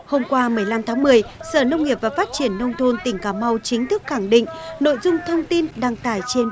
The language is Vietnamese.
hôm qua mười lăm tháng mười sở nông nghiệp và phát triển nông thôn tỉnh cà mau chính thức khẳng định nội dung thông tin đăng tải trên